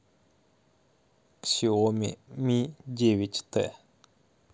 ксиоми ми девять т